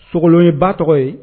Sogolon ye ba tɔgɔ ye